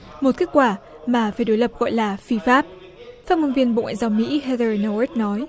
một kết quả mà phe đối lập gọi là phi pháp phát ngôn viên bộ ngoại giao mỹ he dờ nô guất nói